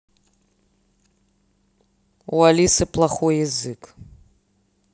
у алисы плохой язык